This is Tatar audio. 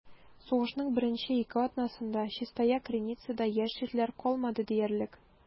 Сугышның беренче ике атнасында Чистая Криницада яшь ирләр калмады диярлек.